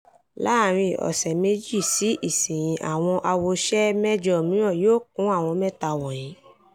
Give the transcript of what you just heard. Láàárín ọ̀sẹ̀ méjì sí ìsinyìí àwọn àwòṣe mẹ́jọ mìíràn yóò kún àwọn mẹ́ta wọ̀nyìí.